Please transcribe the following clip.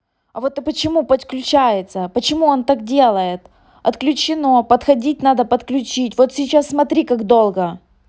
а вот а почему подключается почему он так делает отключено подходить надо подключить вот сейчас смотри как долго